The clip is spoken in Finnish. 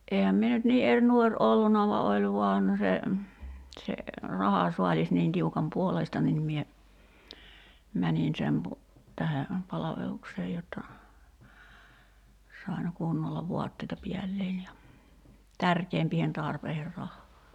enhän minä nyt niin eri nuori ollut vaan oli vain se se rahasaalis niin tiukan puoleista niin minä menin sen - tähden palvelukseen jotta sain kunnolla vaatteita päälle ja tärkeämpiin tarpeisiin rahaa